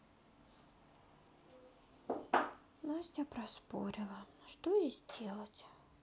настя проспорила что ей сделать